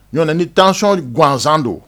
Ɲɔn tɛ ni tention gansan don.